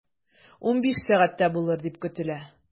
15.00 сәгатьтә булыр дип көтелә.